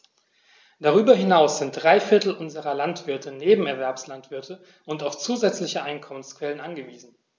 Darüber hinaus sind drei Viertel unserer Landwirte Nebenerwerbslandwirte und auf zusätzliche Einkommensquellen angewiesen.